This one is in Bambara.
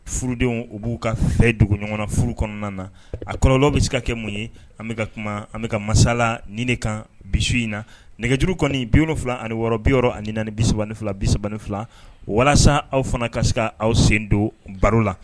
Furudenw u b'u ka fɛ dugu ɲɔgɔn na furu kɔnɔna na a kɔrɔlɔ bɛ se ka kɛ mun ye an bɛka kuma an bɛ ka masasala ni de kan bisu in na nɛgɛjuru kɔni bifila ani wɔɔrɔ bi yɔrɔ ani ni bisaban ni fila bisaban ni fila walasa aw fana ka se aw sen don baro la